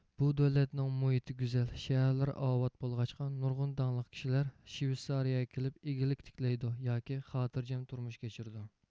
بۇ دۆلەتنىڭ مۇھىتى گۈزەل شەھەرلىرى ئاۋات بولغاچقا نۇرغۇن داڭلىق كىشىلەر شۋېتسارىيىگە كېلىپ ئىگىلىك تىكلەيدۇ ياكى خاتىرجەم تۇرمۇش كەچۈرىدۇ